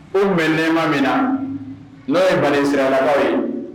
U tun bɛ nɛma min na n'o ye bani Israilakaw ye.